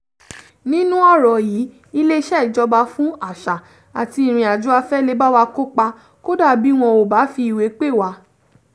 Nínú ọ̀rọ̀ yìí, Ilé-iṣẹ́ Ìjọba fún Àṣà àti Ìrìn-àjò afẹ́ lè bá wa kópa, kódà bí wọn ò bá fi ìwé pè wá.